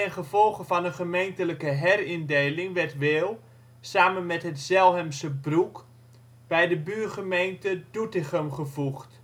gevolge van een gemeentelijke herindeling werd Wehl (samen met het Zelhemse Broek) bij de buurgemeente Doetinchem gevoegd